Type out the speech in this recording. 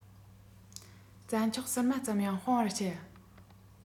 རྩྭ མཆོག ཟིལ པ ཙམ ཡང སྤང བར བྱ